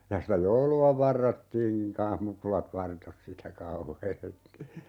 ja sitä joulua varrottiinkin kanssa mukulat vartosi sitä kauheasti